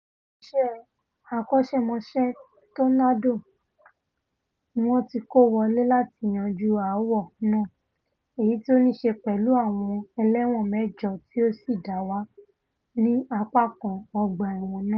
Àwọn òṣìṣẹ́ akọ́ṣẹ́mọṣẹ́ ''Tornado'' níwọ́n ti kó wọlé láti yanjú aáwọ̀ náà, èyití o nííṣe pẹ̀lú àwọn ẹlẹ́wọ̀n mẹ́jọ tí ó sì dáwà ní apá kan ọgbà-ẹ̀wọ̀n náà.